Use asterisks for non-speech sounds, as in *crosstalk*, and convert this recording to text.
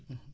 *hesitation* *hesitation*